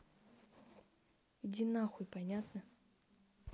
иди нахуй понятно